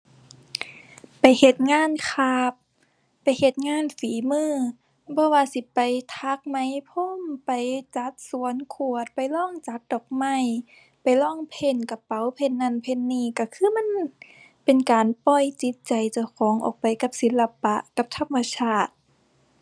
ไปเฮ็ดงานคราฟต์ ไปเฮ็ดงานฝีมือ บ่ว่าสิไปถักไหมพรม ไปจัดสวนขวด ไปลองจัดดอกไม้ ไปลองเพนต์กระเป๋า เพนต์นั้นเพนต์นี้ ก็คือมันเป็นการปล่อยจิตใจเจ้าของออกไปกับศิลปะ กับธรรมชาติ